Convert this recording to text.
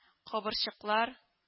Кабырчыклар